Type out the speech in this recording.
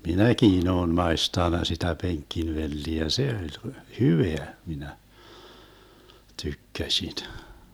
minäkin olen maistanut sitä penkkivelliä ja se oli hyvää minä tykkäsin